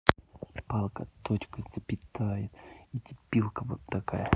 палка точка запитает и дебилка вот такая